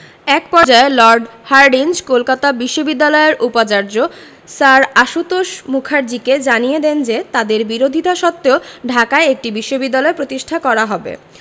এক পর্যায়ে Lord Hardinge Kolkata বিশ্ববিদ্যালয়ের উপাচার্য স্যার আশুতোষ মুখার্জীকে জানিয়ে দেন যে তাঁদের বিরোধিতা সত্ত্বেও ঢাকায় একটি বিশ্ববিদ্যালয় প্রতিষ্ঠা করা হবে